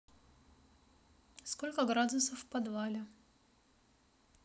сколько градусов в подвале